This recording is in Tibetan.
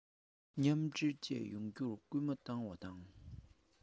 མཉམ འདྲེས བཅས ཡོང རྒྱུར སྐུལ མ བཏང བ དང